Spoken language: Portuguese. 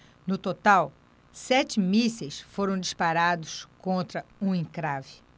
no total sete mísseis foram disparados contra o encrave